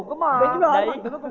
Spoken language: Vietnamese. hoàng tử cơ mà